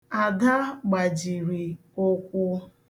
Ada gbajiri ụkwụ.